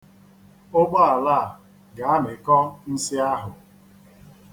Ụgbọala a ga-amịkọ nsị ahụ.